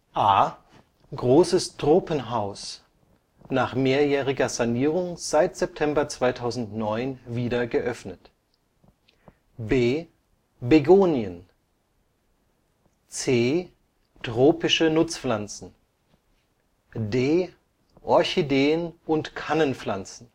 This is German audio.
A: Großes Tropenhaus (nach mehrjähriger Sanierung seit September 2009 wieder geöffnet) B: Begonien C: Tropische Nutzpflanzen D: Orchideen und Kannenpflanzen